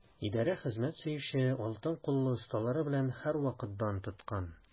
Идарә хезмәт сөюче, алтын куллы осталары белән һәрвакыт дан тоткан.